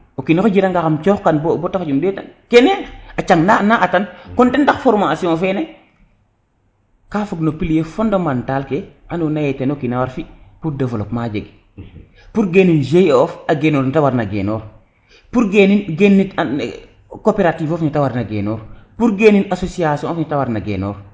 o kinoxe jiranga xam coxkan kene a cang na atan kon ten tax formation fene ka fog no plier fondementale ke ando naye teno war fi pour developpement pour genin GIE of a genon nete warna genoox pour genit cooperative of mete warna genox pour genin association mete warna genoox